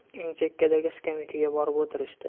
eng chekkadagi skameykaga borib o'tirishdi